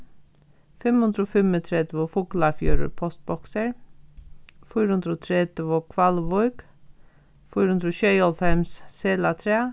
fimm hundrað og fimmogtretivu fuglafjørður postboksir fýra hundrað og tretivu hvalvík fýra hundrað og sjeyoghálvfems selatrað